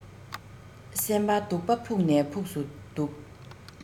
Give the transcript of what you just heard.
སེམས པ སྡུག པ ཕུགས ནས ཕུགས སུ སྡུག